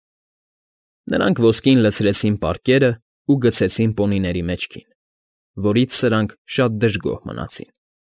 Նրանք ոսկին լցրեցին պարկերն ու գցեցին պոնիների մեջքին, որից սրանք շատ դժգոհ մնացին։